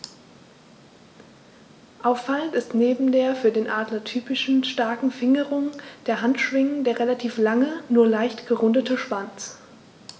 Auffallend ist neben der für Adler typischen starken Fingerung der Handschwingen der relativ lange, nur leicht gerundete Schwanz.